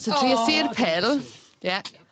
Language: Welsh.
So tries i'r pill. Ie.